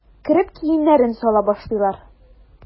Кереп киемнәрен сала башлыйлар.